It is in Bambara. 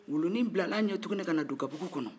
wulunin bilala a ɲɛ tugunni ka na don gabugu kɔnɔ